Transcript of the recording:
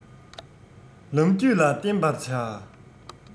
ལམ རྒྱུད ལ བརྟེན པར བྱ